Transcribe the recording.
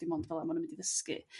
Dim ond fel 'a ma' nhw myn' i dysgu.